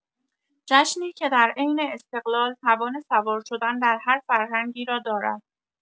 جشنی که در عین استقلال توان سوار شدن بر هر فرهنگی را دارد.